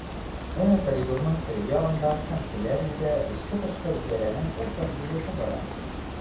Әнә коридорның теге ягында— канцеляриядә эчке-тышкы идарәнең уртак җыелышы бара.